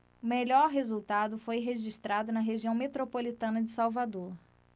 o melhor resultado foi registrado na região metropolitana de salvador